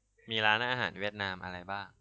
มีร้านอาหารเวียดนามอะไรบ้าง